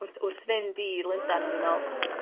wrth wrth fynd i Lundan o'n i me'wl oh